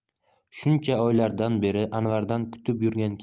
shuncha oylardan beri anvardan kutib